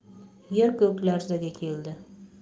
yer ko'k larzaga keldi